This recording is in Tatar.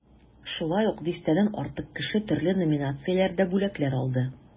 Шулай ук дистәдән артык кеше төрле номинацияләрдә бүләкләр алды.